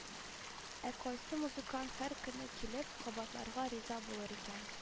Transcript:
Ә кайсы музыкант һәр көнне килеп, кабатларга риза булыр икән